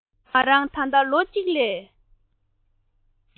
ང རང ད ལྟ ལོ གཅིག ལས